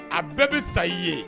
A bɛɛ bɛ sa i ye